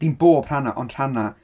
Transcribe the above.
Dim bob rhannau, ond rhannau.